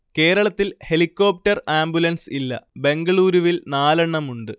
കേരളത്തിൽ helicopter ambulance ഇല്ല ബെംഗളൂരുവിൽ നാലെണ്ണമുണ്ട്